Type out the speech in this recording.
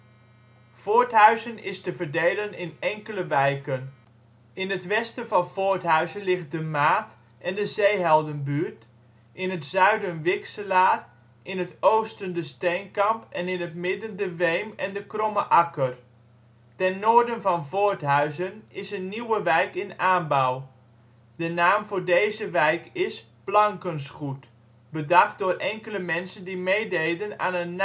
Voorthuizen is te verdelen in enkele wijken. In het westen van Voorthuizen ligt De Maat en De Zeeheldenbuurt, in het zuiden Wikselaar, in het oosten De Steenkamp en in het midden De Wheem en De Kromme Akker. Ten noorden van Voorthuizen is een nieuwe wijk in aanbouw. De naam voor deze nieuwe wijk is Blankensgoed, bedacht door enkele mensen die meededen aan een